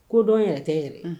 Ko dɔ yɛrɛ tɛ yɛrɛ